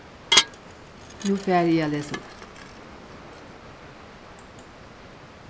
nú fari eg at lesa upp